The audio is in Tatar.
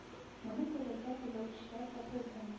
Моны күрергә теләүчеләр дә булды